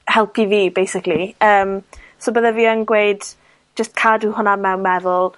helpu fi, basically, yym, so bydda fi yn gweud, jyst cadw hwnna mewn meddwl,